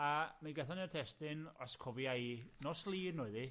A mi gathon ni'r testun, os cofia i, nos Lun oedd 'i.